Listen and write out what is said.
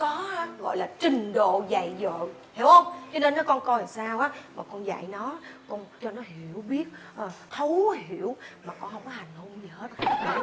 có ha gọi là trình độ dạy dỗ hiểu không cho nên mấy con coi sao mà con dạy nó hiểu biết thấu hiểu mà con không có hành hung gì hết